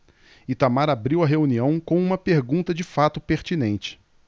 itamar abriu a reunião com uma pergunta de fato pertinente